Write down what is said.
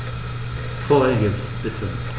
Vorheriges bitte.